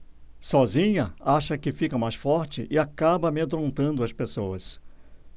sozinha acha que fica mais forte e acaba amedrontando as pessoas